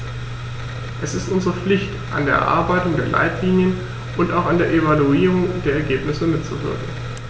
Es ist unsere Pflicht, an der Erarbeitung der Leitlinien und auch an der Evaluierung der Ergebnisse mitzuwirken.